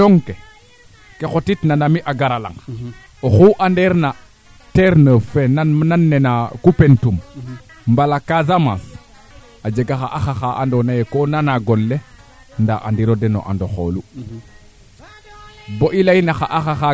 xa ax xa tadaqa xeene o sereer a fongit aan no ndiigum a refa nga no areer no pooɗ ke bo xaye ax ke i nduufo gina duuf i ana in wene ten ref ax ke mengoor na fo tiig ke in